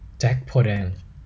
เจ็ดโพธิ์แดง